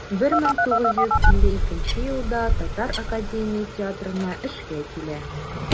1952 елда татар академия театрына эшкә килә.